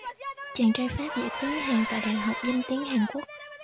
chàng trai pháp dạy tiếng hàn tại đại học danh tiếng hàn quốc